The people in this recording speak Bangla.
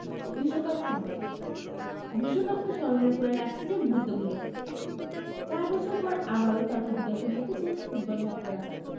বিশ্বকাপ সংবাদ বিশ্বকাপকে স্মরণীয় করে রাখছে যে মুহূর্তগুলো চার বছর পর আবারও তর্ক বিতর্কে মেতেছেন ফুটবল ভক্তরা